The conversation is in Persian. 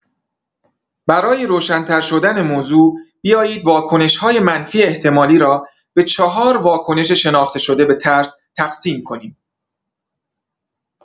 برای روشن‌ترشدن موضوع، بیایید واکنش‌های منفی احتمالی را به چهار واکنش شناخته شده به ترس تقسیم کنیم.